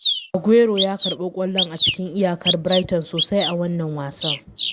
Aguero ya karɓi ƙwallon a cikin iyakar Brighton sosai a wannan wasan.